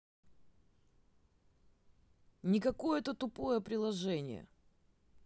не какое то тупое приложение